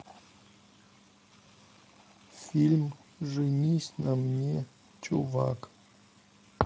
фильм женись на мне чувак